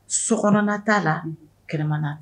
Sokɔrɔnna t'a la kɛlɛmana